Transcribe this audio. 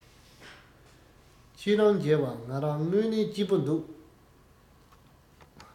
ཁྱེད རང འཇལ བར ང རང སྔོན ནས སྐྱིད པོ བྱུང